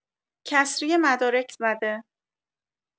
کسری مدارک زده